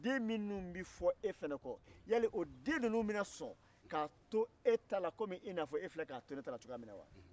den minnu bi fɔ e fɛnɛ kɔ yali o den ninnu bina sɔn ka to e ta la e komi e fila k'a to ne ta la cogoya minna wa